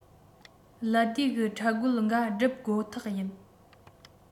ལད ཟློས གི འཕྲལ རྒོལ འགའ བསྒྲུབ ཁོ ཐག ཡིན